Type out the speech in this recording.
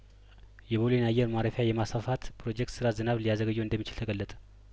የቦሌን አየር ማረፊያ የማስፋፋት ኘሮጀክት ስራ ዝናብ ሊያዘገየው እንደሚችል ተገለጠ